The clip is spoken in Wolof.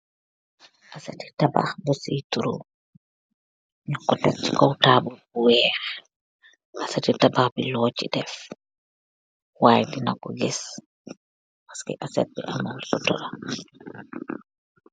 Aseti tabax bu sii turu. Ñun ko tek si kow taabul bu weex. Aseti tabax bi loo si def, waay dinako gis, paski aset bi amool sutura.